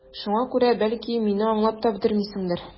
Шуңа күрә, бәлки, мине аңлап та бетермисеңдер...